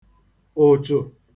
ụ̀chụ̀